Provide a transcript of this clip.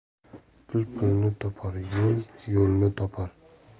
pul pulni topar yo'l yo'lni topar